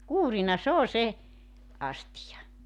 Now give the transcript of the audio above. kuurina se on se astia